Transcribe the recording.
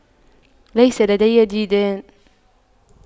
ليس لدي ديدان